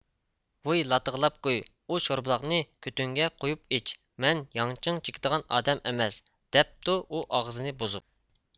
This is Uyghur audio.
ۋۇي لاتا غىلاپ گۇي ئۇ شوربۇلاقنى كۆتۈڭگە قۇيۇپ ئىچ مەن ياڭچىڭ چىكىدىغان ئادەم ئەمەس دەپتۇ ئۇ ئاغزىنى بۇزۇپ